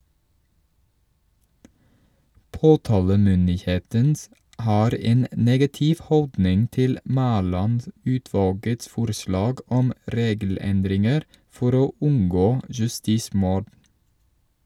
Påtalemyndigheten har en negativ holdning til Mæland-utvalgets forslag om regelendringer for å unngå justismord.